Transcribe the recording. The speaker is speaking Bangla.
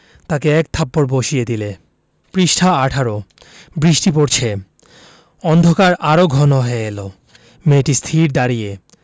তাকে এক থাপ্পড় বসিয়ে দিলে পৃষ্ঠা ১৮ বৃষ্টি পরছে অন্ধকার আরো ঘন হয়ে এল মেয়েটি স্থির দাঁড়িয়ে